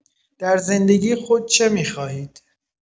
در زندگی خود چه می‌خواهید؟